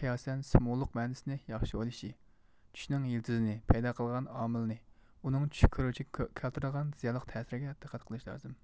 قىياسەن سېموۋوللۇق مەنىسىنى ياخشى ئويلىشى چۈشنىڭ يىلتىزىنى پەيدا قىلغان ئامىلنى ئۇنىڭ چۈش كۆرگۈچىگە كەلتۈرىدىغان زىيانلىق تەسىرىگە دىققەت قىلىشى لازىم